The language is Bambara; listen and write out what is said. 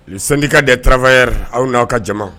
Le syndicat des travailleurs aw n’a ka jama.